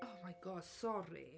Oh my God sori.